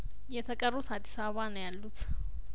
የተቀሩት አዲሳባ ነው ያሉት